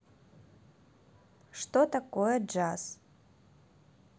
что такое джаз